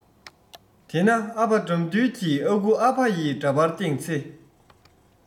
དེ ན ཨ ཕ དགྲ འདུལ གྱི ཨ ཁུ ཨ ཕ ཡི འདྲ པར སྟེང ཚེ